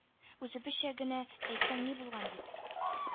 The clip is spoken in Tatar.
Үзебезчә генә әйтсәң ни булган? - дип,